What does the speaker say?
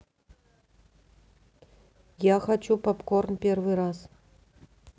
я хочу попкорн первый раз